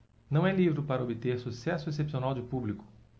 não é livro para obter sucesso excepcional de público